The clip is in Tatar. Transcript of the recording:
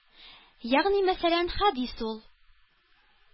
-ягъни мәсәлән, хәдис ул,